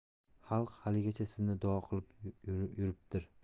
xalq haligacha sizni duo qilib yuribdir